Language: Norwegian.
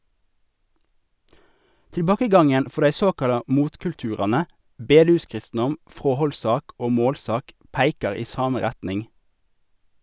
Tilbakegangen for dei såkalla motkulturane (bedehuskristendom, fråhaldssak og målsak) peikar i same retning.